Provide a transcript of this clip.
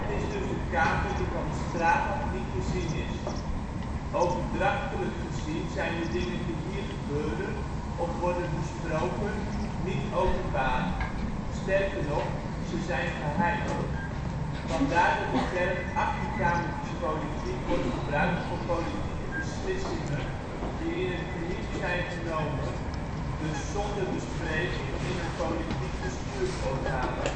is dus de kamer die van de straat af niet te zien is. Overdrachtelijk gezien zijn de dingen die hier gebeuren of worden besproken niet-openbaar. Sterker nog: ze zijn geheim. Vandaar dat de term achterkamertjespolitiek wordt gebruikt voor politieke beslissingen die in het geniep zijn genomen, dus zonder bespreking in een (politiek) bestuursorgaan